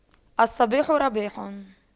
الصباح رباح